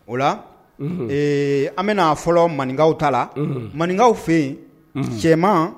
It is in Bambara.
O la an bɛnaa fɔlɔ maninkaw ta la maninkaw fɛ yen cɛman